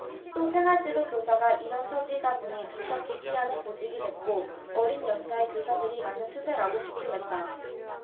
또 생활지도 교사가 이런 처지이다 보니 점차 기피하는 보직이 됐고 어린 연차의 교사들이 맡는 추세라고 귀띔했다